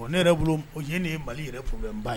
Ne yɛrɛ bolo yen de ye Mali yɛrɛ problème ba ye.